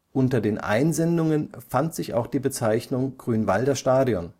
Unter den Einsendungen fand sich auch die Bezeichnung „ Grünwalder Stadion